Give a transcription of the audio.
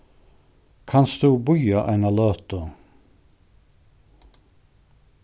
kanst tú bíða eina løtu